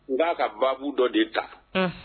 U b'a ka baabu dɔ de ta, un